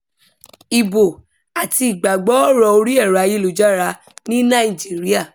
Ìbò àti ìgbàgbọ́ ọ̀rọ̀ orí ẹ̀rọ ayélujára ní Nàìjíríà